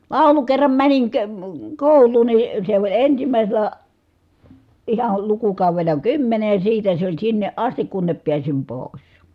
laulu kerran menin - kouluun niin se oli ensimmäisellä ihan lukukaudella kymmenen ja siitä se oli sinne asti kunne pääsin pois